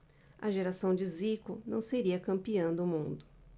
a geração de zico não seria campeã do mundo